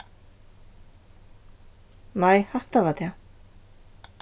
nei hatta var tað